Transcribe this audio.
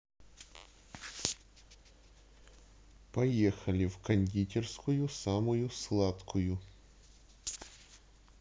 поехали в кондитерскую самую самую сладкую